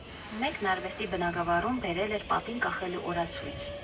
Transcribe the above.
Մեկն արվեստի բնագավառում բերել էր պատին կախելու օրացույց։